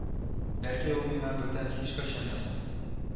Бәлки ул миңа бүтән һичкайчан язмас